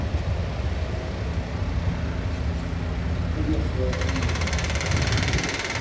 дряхлая амина